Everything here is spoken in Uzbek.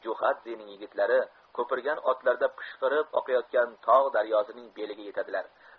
jo'xadzening yigitlari ko'pirgan otlarda pishqirib oqayotgan tog' daryosining beliga yetadilar